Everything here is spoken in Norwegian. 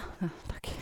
Takk.